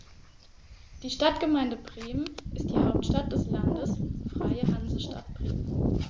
Die Stadtgemeinde Bremen ist die Hauptstadt des Landes Freie Hansestadt Bremen.